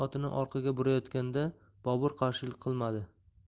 orqaga burayotganda bobur qarshilik qilmadi